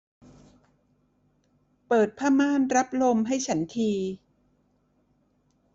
เปิดผ้าม่านรับลมให้ฉันที